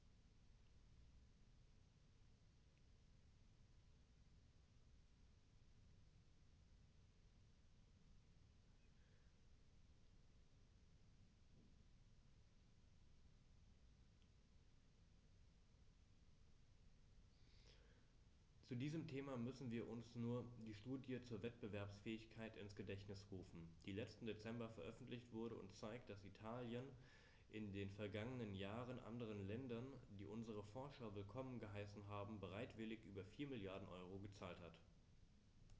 Zu diesem Thema müssen wir uns nur die Studie zur Wettbewerbsfähigkeit ins Gedächtnis rufen, die letzten Dezember veröffentlicht wurde und zeigt, dass Italien in den vergangenen Jahren anderen Ländern, die unsere Forscher willkommen geheißen haben, bereitwillig über 4 Mrd. EUR gezahlt hat.